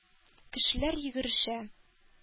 Кешеләр йөгерешә.